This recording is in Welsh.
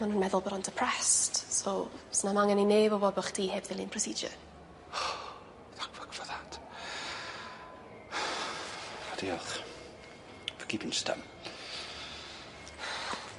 Ma' nw'n meddwl bod o'n depressed so sna'm angan i neb wybod bo' chdi heb ddilyn procedure. Oh thank fuck for that. A diolch. For keeping stym.